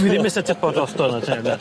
Dwi ddim isa tipo drosto yn y .